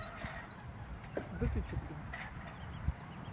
выключи блин